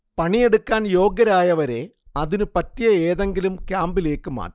പണിയെടുക്കാൻ യോഗ്യരായവരെ അതിനുപറ്റിയ ഏതെങ്കിലും ക്യാമ്പിലേക്ക് മാറ്റും